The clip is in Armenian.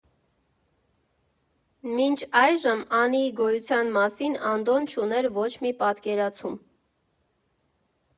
Մինչ այժմ Անիի գոյության մասին Անդոն չուներ ոչ մի պատկերացում։